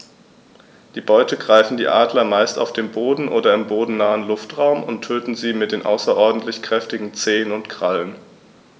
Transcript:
Die Beute greifen die Adler meist auf dem Boden oder im bodennahen Luftraum und töten sie mit den außerordentlich kräftigen Zehen und Krallen.